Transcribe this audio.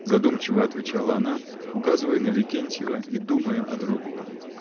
— задумчиво отвечала она, указывая на Викентьева и думая о другом.